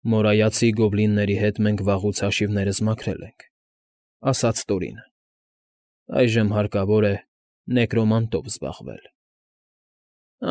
Մորայացի գոբլինների հետ մենք վաղուց հաշիվներս մաքրել ենք,֊ ասաց Տորինը,֊ այժմ հարկավոր է Նեկրոմանտով զբաղվել։ ֊